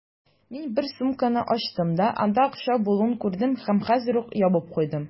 Мин бер сумканы ачтым да, анда акча булуын күрдем һәм хәзер үк ябып куйдым.